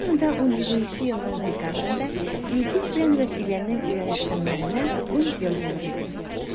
2017 елның декабрендә илгиз белән вәсиләнең өйләнешкәннәренә 10 ел булыр иде.